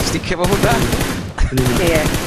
...sticio fo hwnna. Hmm, yn union. Ie.